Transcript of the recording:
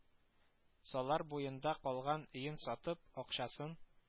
Салар буенда калган өен сатып, акчасын